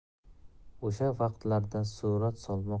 o'sha vaqtlarda surat solmoq